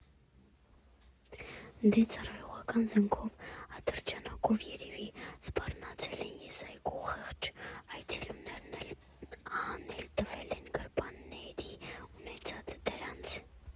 Դե ծառայողական զենքով՝ ատրճանակով, երևի սպառնացել են, էս այգու խեղճ այցելուներն էլ հանել տվել են գրպանների ունեցածը դրանց։